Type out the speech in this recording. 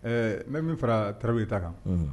Ɛɛ n min fara tarawele i ta kan